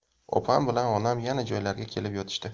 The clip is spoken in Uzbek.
opam bilan onam yana joylariga kelib yotishdi